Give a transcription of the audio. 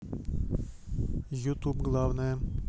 ютуб главная